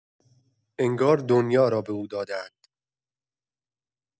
انگار دنیا را به او داده‌اند